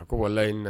A ko wala in